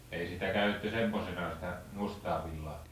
ei sitä käytetty semmoisenaan sitä mustaa villaa